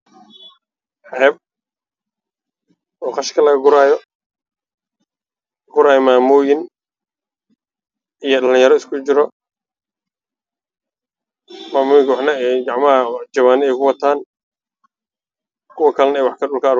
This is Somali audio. Meeshaan waxaa ka muuqdo maamooyin iyo dhalinyaro qashin aruurinaayo